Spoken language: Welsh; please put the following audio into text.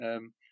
Yym.